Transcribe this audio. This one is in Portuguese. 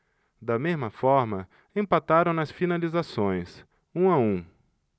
da mesma forma empataram nas finalizações um a um